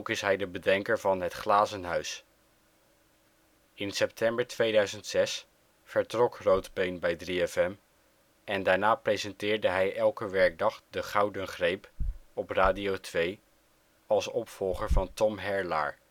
is hij de bedenker van Het Glazen Huis. In september 2006 vertrok Roodbeen bij 3FM en daarna presenteerde hij elke werkdag De Gouden Greep op Radio 2 als opvolger van Tom Herlaar